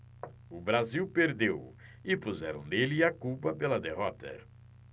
o brasil perdeu e puseram nele a culpa pela derrota